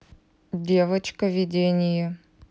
девочка видение